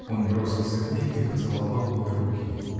Он бросился к ней и поцеловал обе руки.